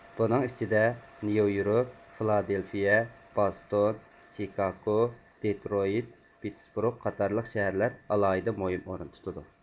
بۇنىڭ ئىچىدە نيويورك فىلادېلفىيە باستون چېكاگو دېتىرويىت پىتتىسىپۇرگ قاتارلىق شەھەرلەر ئالاھىدە مۇھىم ئورۇن تۇتىدۇ